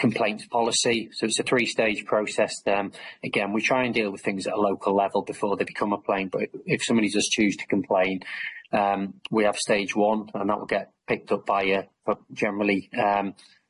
complaint policy, so it's a three stage process erm, again we try and deal with things at a local level before they become a complaint, but if- if somebody does choose to complain erm we have stage one, and that will get picked up by a generally erm